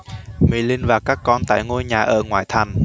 mỹ linh và các con tại ngôi nhà ở ngoại thành